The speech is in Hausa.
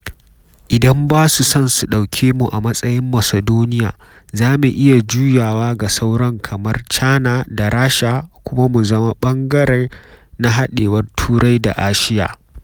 Idan ba su son su ɗauke mu a matsayin Macedonia, za mu iya juyawa ga sauran kamar China da Rusha kuma mu zama ɓangare na haɗewar Turai da Asiya.”